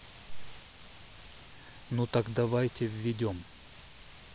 ну так давайте введем